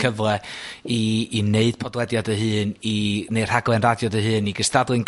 cyfle i i neud podlediad dy hun i neu' rhaglen radio dy hun i gystadlu'n...